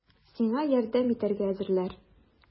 Сиңа ярдәм итәргә әзерләр!